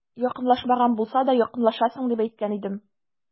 Якынлашмаган булса да, якынлашсын, дип әйткән идем.